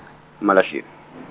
Malahlen-.